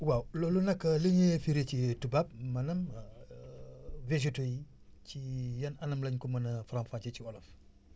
waaw loolu nag la ñuy firi ci tubaab maanaam végétaux yi ci yan anam la ñu ko mën a faram fàccee ci wolof